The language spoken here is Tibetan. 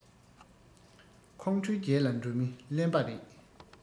ཁོང ཁྲོའི རྗེས ལ འགྲོ མི གླེན པ རེད